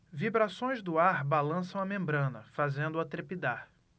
vibrações do ar balançam a membrana fazendo-a trepidar